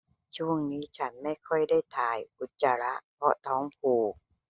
ช่วงนี้ฉันไม่ค่อยได้ถ่ายอุจจาระเพราะท้องผูก